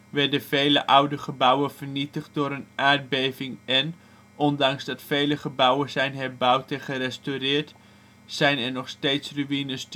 werden vele oude gebouwen vernietigd door een aardbeving en, ondanks dat vele gebouwen zijn herbouwd en gerestaureerd, zijn er nog steeds ruïnes